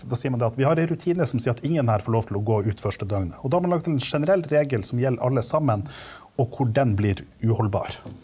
da sier man det at vi har ei rutine som sier at ingen her får lov til å gå ut første døgnet, og da har man laget en generell regel som gjelder alle sammen, og hvor den blir uholdbar.